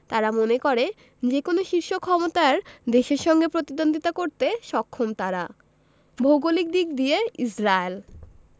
তারা মনে করে যেকোনো শীর্ষ ক্ষমতার দেশের সঙ্গে প্রতিদ্বন্দ্বিতা করতে সক্ষম তারা ভৌগোলিক দিক দিয়ে ইসরায়েল